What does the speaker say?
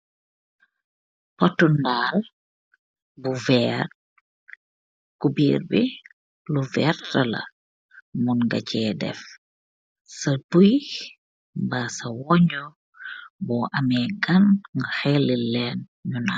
potti daalil buu veertet.